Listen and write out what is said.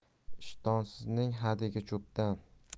ishtonsizning hadigi cho'pdan